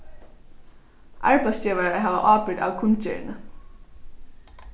arbeiðsgevarar hava ábyrgd av kunngerðini